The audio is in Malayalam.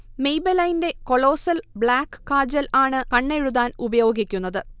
മെയ്ബെലൈന്റെ കൊളോസൽ ബ്ലാക്ക് കാജൽ ആണ് കണ്ണെഴുതാൻ ഉപയോഗിക്കുന്നത്